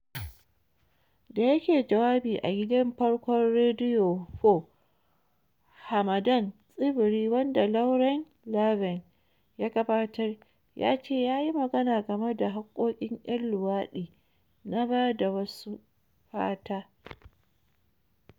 Da yake jawabi a gidan farko Rediyo 4 Hamadan Tsibiri wanda Lauren Laverne ya gabatar, ya ce ya yi magana game da hakkokin 'yan luwadi na ba da wasu "fata".